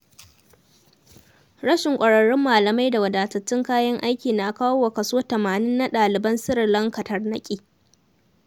Rashin ƙwararrun malamai da wadatattun kayan aiki na kawo wa kaso 80% na ɗaliban Sri Lanka tarnaƙi.